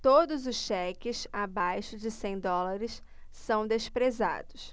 todos os cheques abaixo de cem dólares são desprezados